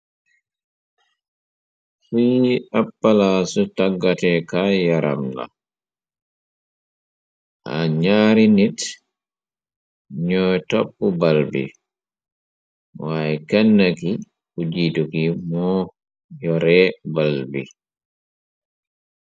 Fi i appalaasu tàggate ka yaram la, ak ñaari nit ñooy topp bal bi, waayé kenna ki, bu jiitu ki, moo yoree bal bi.